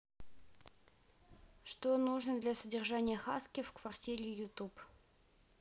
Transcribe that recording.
что нужно для содержания хаски в квартире youtube